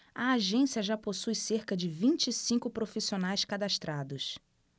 a agência já possui cerca de vinte e cinco profissionais cadastrados